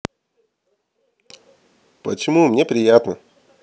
почему мне приятно